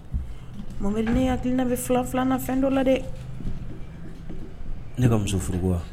Mɔhamɛdi ne hakilina bɛ filan filan la fɛn dɔ la dɛ; ne ka muso furu ko wa?